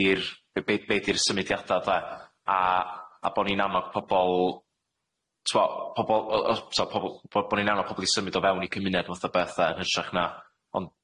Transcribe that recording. di'r be be di'r symudiada de a bod ni'n annog pobol, t'bod, pobol o- o- sa pobol yn gwbo bod ni'n annog pobol i symud o fewn i cymuned fath o beth de, yn hytrach na,